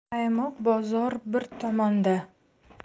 qaymoq bozor bir tomonda